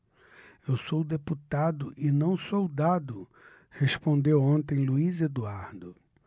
eu sou deputado e não soldado respondeu ontem luís eduardo